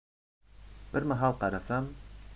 bir mahal qarasam